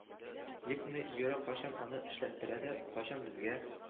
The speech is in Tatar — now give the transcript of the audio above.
Ектный бюро кайчан аны эшләттерә дә, кайчан безгә